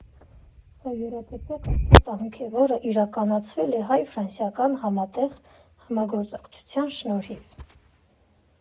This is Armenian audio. Սա յուրատեսակ աշխատանք է, որը իրականացվել է հայ֊ֆրանսիական համատեղ համագործակցության շնորհիվ։